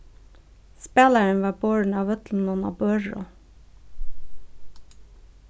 spælarin varð borin av vøllinum á børu